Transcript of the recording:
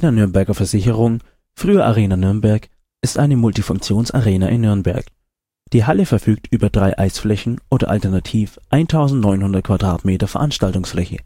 NÜRNBERGER VERSICHERUNG, früher Arena Nürnberg) ist eine Multifunktionsarena in Nürnberg. Die Halle verfügt über drei Eisflächen oder alternativ 1900 m² Veranstaltungsfläche